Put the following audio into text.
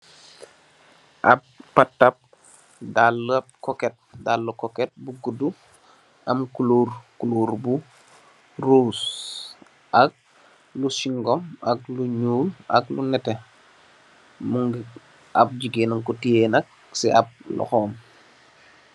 Ap patap dalli kóket, dalla kóket bu guddu am kulor bu róós ak lu singom ak lu ñuul ak lu netteh ap jigeen nan ko teyeh nat si ap loxom.